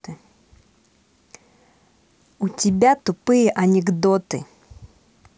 у тебя тупые анекдоты